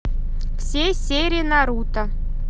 все серии наруто